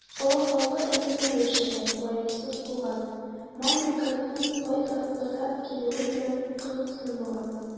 Кала халкы элек мул яшәгән, ваемсыз булган, мал-мөлкәтнең кай тарафлардан килүе белән кызыксынмаган.